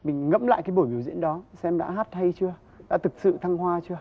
mình ngẫm lại cái buổi biểu diễn đó xem đã hát hay chưa đã thực sự thăng hoa chưa